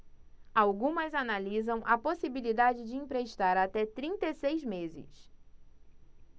algumas analisam a possibilidade de emprestar até trinta e seis meses